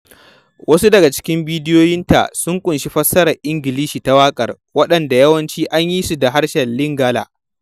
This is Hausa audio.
Wasu daga cikin bidiyoyinta sun ƙunshi fassarar Ingilishi ta waƙar, waɗanda yawanci an yi su da harshen Lingala.